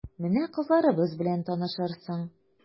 Менә кызларыбыз белән танышырсың...